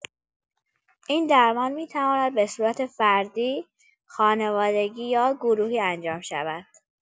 این درمان می‌تواند به‌صورت فردی، خانوادگی یا گروهی انجام شود.